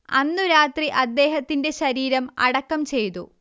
അന്നു രാത്രി അദ്ദേഹത്തിന്റെ ശരീരം അടക്കം ചെയ്തു